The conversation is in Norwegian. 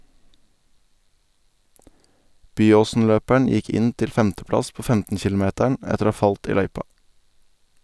Byåsen-løperen gikk inn til femteplass på 15-kilometeren etter å ha falt i løypa.